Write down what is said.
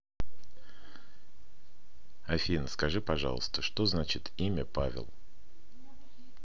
афина скажи пожалуйста что значит имя павел